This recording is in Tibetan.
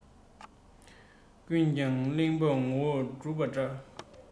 ཀུན ཀྱང གླེགས བམ ངོ བོར གྲུབ པ འདྲ